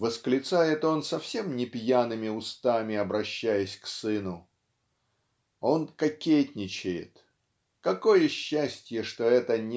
восклицает он, совсем не пьяными устами обращаясь к сыну. Он кокетничает. Какое счастье, что это